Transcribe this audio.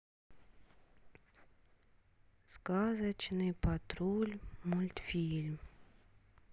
сказочный патруль мультфильм